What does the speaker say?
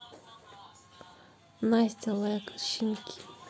настя лайк щенки